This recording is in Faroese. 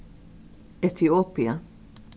etiopia